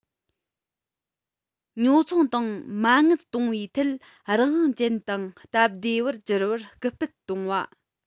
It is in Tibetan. ཉོ ཚོང དང མ དངུལ གཏོང བའི ཐད རང དབང ཅན དང སྟབས བདེ བར འགྱུར བར སྐུལ སྤེལ གཏོང བ